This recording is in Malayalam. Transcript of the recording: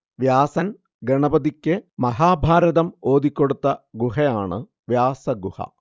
വ്യാസൻ ഗണപതിക്ക് മഹാഭാരതം ഓതിക്കൊടുത്ത ഗുഹയാണ് വ്യാസഗുഹ